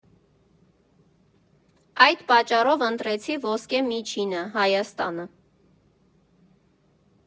Այդ պատճառով ընտրեցի ոսկե միջինը՝ Հայաստանը։